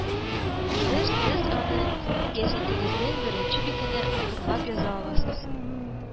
Зер сез аны гәзитегезнең беренче битендә хурлап яза аласыз,